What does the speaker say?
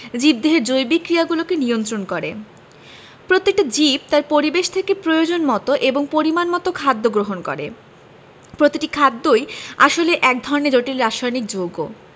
জীবদেহের জৈবিক ক্রিয়াগুলোকে নিয়ন্ত্রন করে প্রত্যেকটা জীব তার পরিবেশ থেকে প্রয়োজনমতো এবং পরিমাণমতো খাদ্য গ্রহণ করে প্রতিটি খাদ্যই আসলে এক ধরনের জটিল রাসায়নিক যৌগ